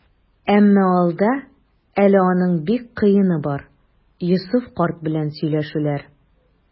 Әмма алда әле аның бик кыены бар - Йосыф карт белән сөйләшүләр.